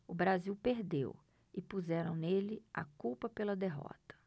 o brasil perdeu e puseram nele a culpa pela derrota